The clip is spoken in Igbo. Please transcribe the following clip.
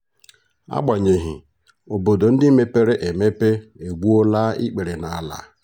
Agbanyeghị, obodo ndị mepere emepe egbuola ikpere n'ala.